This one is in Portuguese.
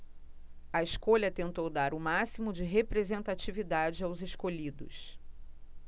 a escolha tentou dar o máximo de representatividade aos escolhidos